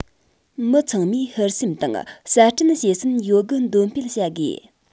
མི ཚང མའི ཧུར སེམས དང གསར སྐྲུན བྱེད སེམས ཡོད དགུ འདོན སྤེལ བྱ དགོས